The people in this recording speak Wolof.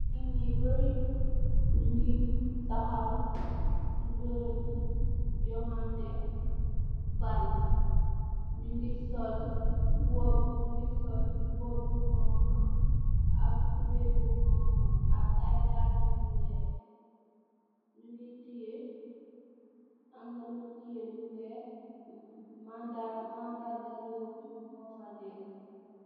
Nitt njee bari, njungy takhaw cii beureubu jonganteh bal, njungy sol mbuba njungy sol mbuba bu honha ak tubeiy bu honha, ak aiiy daalue yu wekh, njungy tiyeh, amna lun tiyeh lu wekh, ma mandarr gah rewmi mofa neka.